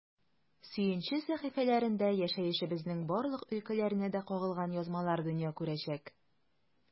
“сөенче” сәхифәләрендә яшәешебезнең барлык өлкәләренә дә кагылган язмалар дөнья күрәчәк.